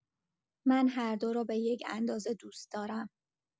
من هر دو را به یک اندازه دوست دارم.